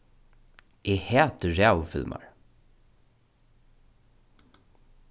eg hati ræðufilmar